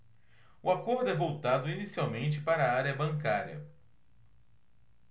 o acordo é voltado inicialmente para a área bancária